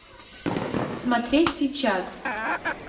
смотреть сейчас